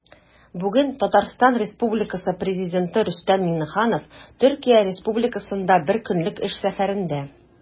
Бүген Татарстан Республикасы Президенты Рөстәм Миңнеханов Төркия Республикасында бер көнлек эш сәфәрендә.